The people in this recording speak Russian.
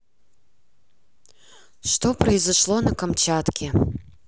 что произошло на камчатке